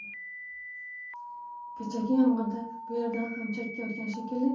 kechagi yomg'irda bu yerdan ham chakka o'tgan shekilli